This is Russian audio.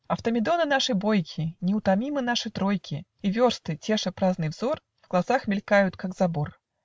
Автомедоны наши бойки, Неутомимы наши тройки, И версты, теша праздный взор, В глазах мелькают, как забор .